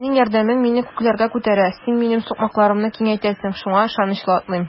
Синең ярдәмең мине күкләргә күтәрә, син минем сукмакларымны киңәйтәсең, шуңа ышанычлы атлыйм.